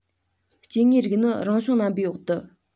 སྐྱེ དངོས རིགས ནི རང བྱུང རྣམ པའི འོག ཏུ